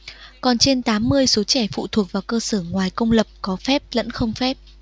còn trên tám mươi số trẻ phụ thuộc vào cơ sở ngoài công lập có phép lẫn không phép